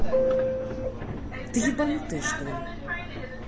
ты ебнутая что ли